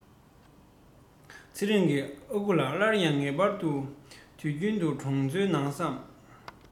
ཚེ རིང གི ཨ ཁུ ལ སླར ཡང ངེས པར དུ དུས རྒྱུན དུ གྲོང ཚོའི ནང བསམ